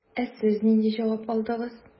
Ә сез нинди җавап алдыгыз?